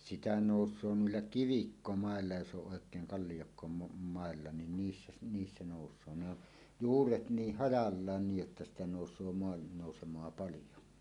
sitä nousee noilla kivikkomailla jos on oikein - kalliokkomailla niin niissä - niissä nousee ne on juuret niin hajallaan niin jotta sitä nousee maannousemaa paljon